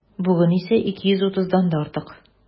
Бүген исә 230-дан да артык.